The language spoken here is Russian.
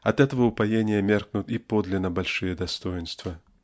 --от этого упоения меркнут и подлинно большие достоинства.